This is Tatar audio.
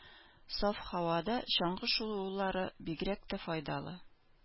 Саф һавада чаңгы шуулары бигрәк тә файдалы.